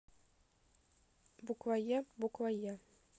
буква е буква е